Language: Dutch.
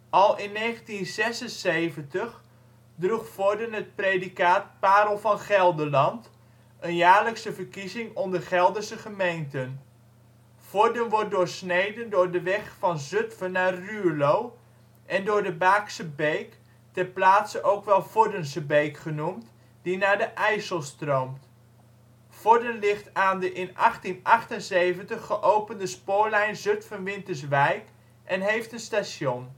Al in 1976 droeg Vorden het predicaat " Parel van Gelderland ", een jaarlijkse verkiezing onder Gelderse gemeenten. Vorden wordt doorsneden door de weg van Zutphen naar Ruurlo (N319) en door de Baakse beek (ter plaatse ook wel Vordense beek genoemd), die naar de IJssel stroomt. Vorden ligt aan de in 1878 geopende spoorlijn Zutphen - Winterswijk en heeft een station